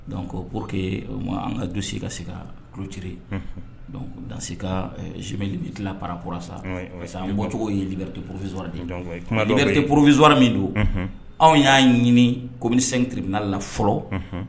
Dɔnku ko pur que an ka du sigi ka se ka kuruci danse ka z dilan parapra sa parce que an bɔcogo yeɛrɛrite porourfinzsawa de wɛrɛte porofinzwari min don anw y'a ɲini kɔmimini senribina la fɔlɔ